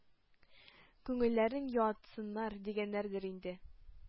Күңелләрен юатсыннар, дигәннәрдер инде.